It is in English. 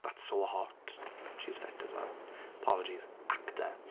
That's so hot. She's fit as well. Apologies. Actor.